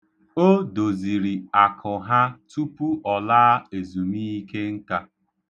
O doziri akụ ha tupu ọ laa ezumiikenka.